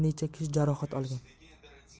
necha kishi jarohat olgan